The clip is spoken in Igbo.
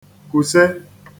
kùse